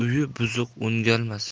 o'yi buzuq o'ngalmas